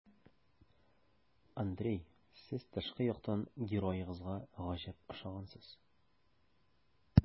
Андрей, сез тышкы яктан героегызга гаҗәп охшагансыз.